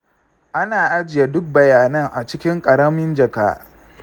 ina ajiye duk bayanan a cikin ƙaramin jaka.